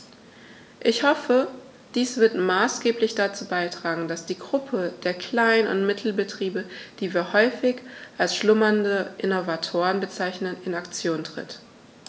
Ich hoffe, dies wird maßgeblich dazu beitragen, dass die Gruppe der Klein- und Mittelbetriebe, die wir häufig als "schlummernde Innovatoren" bezeichnen, in Aktion tritt.